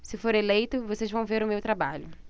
se for eleito vocês vão ver o meu trabalho